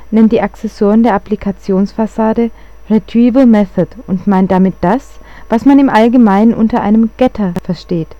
nennt die Aksessoren der Applikationsfassade retrieval method und meint damit das, was man im Allgemeinen unter einem Getter versteht